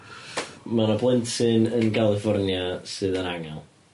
Ma' 'na blentyn yn Galiffornia sydd yn angel?